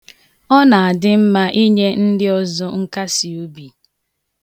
Ọ na-adị mma inye ndị ọzọ nkasiobi.